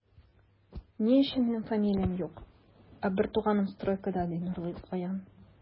Ни өчен минем фамилиям юк, ә бертуганым стройда, ди Нурлыгаян.